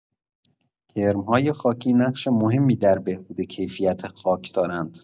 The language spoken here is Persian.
کرم‌های خاکی نقش مهمی در بهبود کیفیت خاک دارند.